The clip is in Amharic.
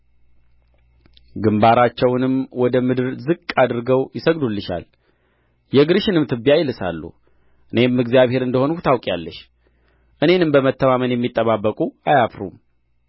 ግምባራቸውንም ወደ ምድር ዝቅ አድርገው ይሰግዱልሻል የእግርሽንም ትቢያ ይልሳሉ እኔም እግዚአብሔር እንደ ሆንሁ ታውቂያለሽ እኔንም በመተማመን የሚጠባበቁ አያፍሩም